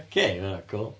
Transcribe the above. Cei ma' hynna'n cwl.